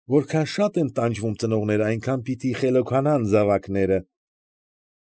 Որքան շատ են տանջվում ծնողները, այնքան պիտի խելոքանան զավակները։